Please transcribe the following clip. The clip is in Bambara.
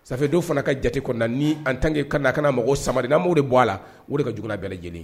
Sadenw fana ka jate kɔnɔna na ni an tange kana kana mago sama n'mo de b bɔ a la o de ka j bɛɛ lajɛlen